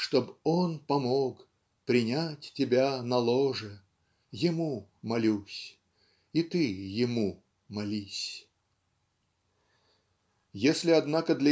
Чтоб Он помог принять тебя на ложе, Ему молюсь, - и ты Ему молись. Если однако